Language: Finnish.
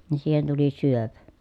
niin siihen tuli syöpä